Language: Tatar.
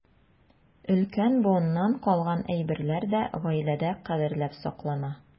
Өлкән буыннан калган әйберләр дә гаиләдә кадерләп саклана.